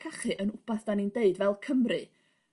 cachu yn wbath 'dan ni'n deud fel Cymru